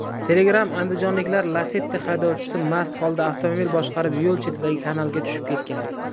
telegram andijonliklar lacetti haydovchisi mast holda avtomobil boshqarib yo'l chetidagi kanalga tushib ketgan